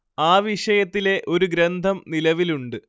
ആ വിഷയത്തിലെ ഒരു ഗ്രന്ഥം നിലവിലുണ്ട്